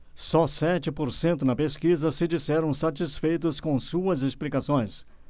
só sete por cento na pesquisa se disseram satisfeitos com suas explicações